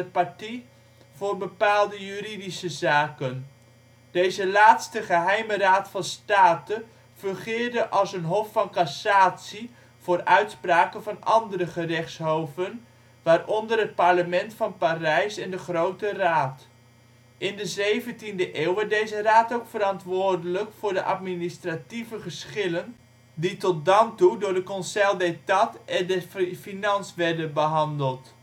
Parties voor bepaalde juridische zaken. Deze laatste Geheime Raad van State fungeerde als een hof van cassatie voor de uitspraken van andere gerechtshoven, waaronder het Parlement van Parijs en de Grote Raad. In de 17e eeuw werd deze raad ook verantwoordelijk voor de administratieve geschillen die tot dan toe door de Conseil d'État et des Finances werden behandeld